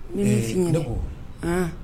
N dɔgɔ h